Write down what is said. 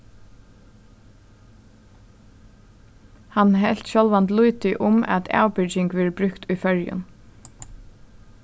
hann helt sjálvandi lítið um at avbyrging verður brúkt í føroyum